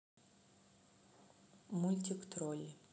мультик тролли